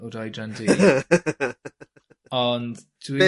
o dy oedran di... ...ond dwi...